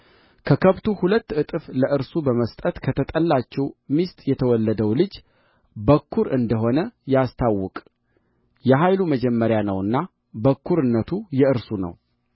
ከከብቱ ሁለት እጥፍ ለእርሱ በመስጠት ከተጠላችው ሚስት የተወለደው ልጅ በኵር እንደ ሆነ ያስታውቅ የኃይሉ መጀመሪያ ነውና በኵርነቱ የእርሱ ነው